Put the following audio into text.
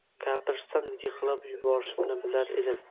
gapirsam yig'lab yuborishimni bilar edim